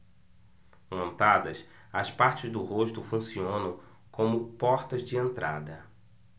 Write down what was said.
montadas as partes do rosto funcionam como portas de entrada